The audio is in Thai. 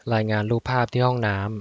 รายงานรูปภาพที่ห้องน้ำ